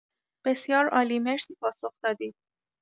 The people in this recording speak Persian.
بسیار عالی، مرسی پاسخ دادید!